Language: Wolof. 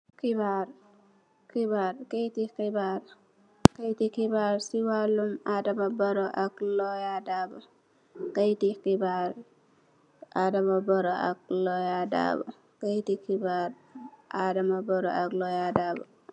Kayiti xibarr Adama Barrow ak Loya Darbó.